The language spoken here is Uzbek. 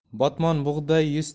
botmon bug'doy yuz